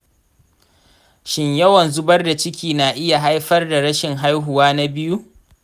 shin yawan zubar da ciki na iya haifar da rashin haihuwa na biyu?